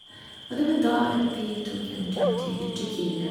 Og det var da at vi tok en tur til Tyrkia.